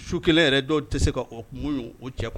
Su kelen yɛrɛ dɔw tɛ se ka kun ye o cɛ kuwa